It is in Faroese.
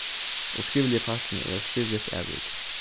og skrivligi parturin er eitt skrivligt avrik